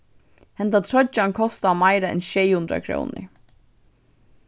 henda troyggjan kostar meira enn sjey hundrað krónur